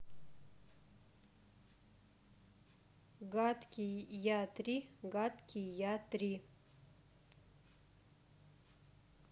гадкий я три гадкий я три